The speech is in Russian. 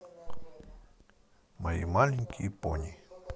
мои маленькие пони